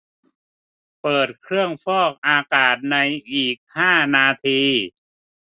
เปิดเครื่องฟอกอากาศในอีกห้านาที